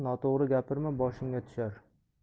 noto'g'ri gapirma boshingga tushar